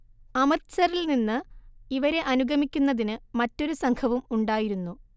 അമൃത്സറിൽനിന്ന് ഇവരെ അനുഗമിക്കുന്നതിന് മറ്റൊരു സംഘവും ഉണ്ടായിരുന്നു